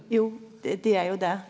jo dei er jo det.